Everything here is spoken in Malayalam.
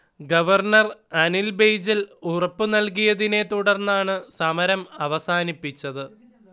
ഗവർണർ അനിൽ ബയ്ജൽ ഉറപ്പു നൽകിയതിനെ തുടർന്നാണ് സമരം അവസാനിപ്പിച്ചത്